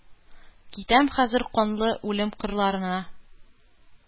Китәм хәзер канлы үлем кырларына!